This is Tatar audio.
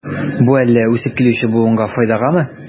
Бу әллә үсеп килүче буынга файдагамы?